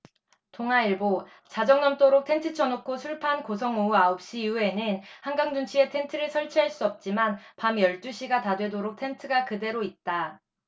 동아일보 자정 넘도록 텐트 쳐놓고 술판 고성오후 아홉 시 이후에는 한강 둔치에 텐트를 설치할 수 없지만 밤 열 두 시가 다 되도록 텐트가 그대로 있다